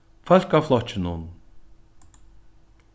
fólkaflokkinum